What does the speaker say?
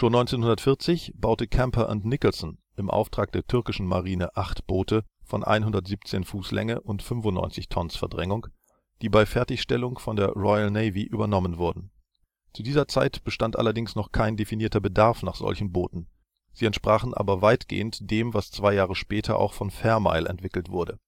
1940 baute Camper&Nicholson im Auftrag der türkischen Marine 8 Boote von 117 ft Länge und 95 tons Verdrängung, die bei Fertigstellung von der Royal Navy übernommen wurden. Zu dieser Zeit bestand allerdings noch kein definierter Bedarf nach solchen Booten, sie entsprachen aber weitgehend dem, was zwei Jahre später auch von Fairmile entwickelt wurde